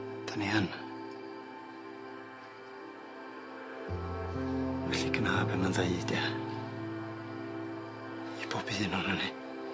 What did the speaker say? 'Dyn ni yn felly gna be' ma'n ddeud ia? I bob un onon ni.